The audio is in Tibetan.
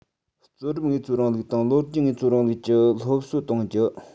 རྩོད སྒྲུབ དངོས གཙོའི རིང ལུགས དང ལོ རྒྱུས དངོས གཙོའི རིང ལུགས ཀྱི སློབ གསོ གཏོང རྒྱུ